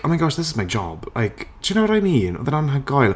"Oh my gosh, this is my job!" like do you know what I mean? Oedd e'n anhygoel.